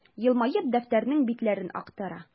Елмаеп, дәфтәрнең битләрен актара.